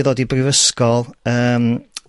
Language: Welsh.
ddod i brifysgol yym